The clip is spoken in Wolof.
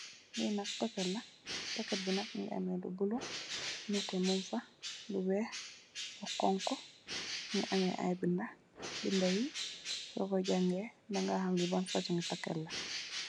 Li nak packet la packet bi nak Mungi ameh lu blue lu neteh Mungfa lu weih lu hunhu Mungi ameh i binda binda yi soko jangeh danga ham li ban fosum packet la.